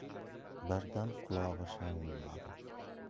birdan qulog'i shang'illadi